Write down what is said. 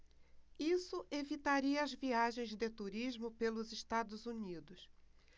isso evitaria as viagens de turismo pelos estados unidos